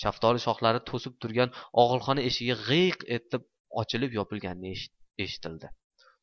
shaftoli shoxlari to'sib turgan og'ilxona eshigi g'iyq etib ochilib yopilgani eshitildi